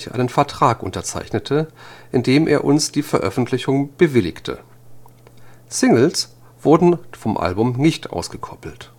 einen Vertrag unterzeichnete, in dem er uns die Veröffentlichung bewilligte “. Singles wurden vom Album nicht ausgekoppelt